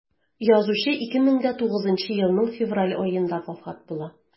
Язучы 2009 елның февраль аенда вафат була.